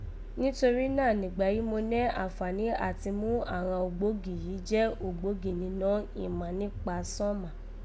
Nítorí náà, nìgbà yìí mo nẹ́ àǹfààní àti mú àghan ògbógi yìí jẹ́ ògbógi ninọ́ ìmà níkpa sánmà